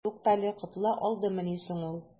Туктале, котыла алдымыни соң ул?